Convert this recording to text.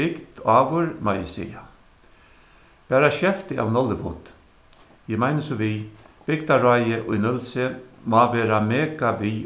bygd áður má eg siga bara skeltið av nóllywood eg meini so við bygdarráðið í nólsoy má vera mega við